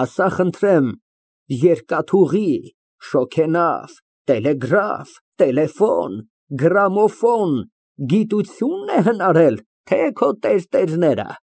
Ասա խնդրեմ, երկաթուղի, շոգենավ, տելեգրաֆ, տելեֆոն, գրամոֆոն գիտությո՞ւնն է հնարել, թե քո տերտերները։